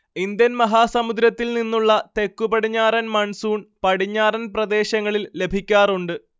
Indian മഹാസമുദ്രത്തിൽനിന്നുമുള്ള തെക്കുപടിഞ്ഞാറൻ monsoon പടിഞ്ഞാറൻ പ്രദേശങ്ങളിൽ ലഭിക്കാറുണ്ട്